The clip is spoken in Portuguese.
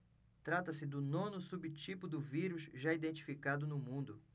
trata-se do nono subtipo do vírus já identificado no mundo